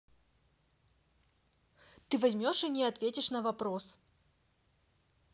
ты возьмешь и не ответишь на вопрос